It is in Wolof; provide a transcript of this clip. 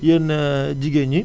yéen jigéen ñi